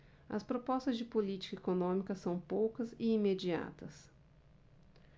as propostas de política econômica são poucas e imediatas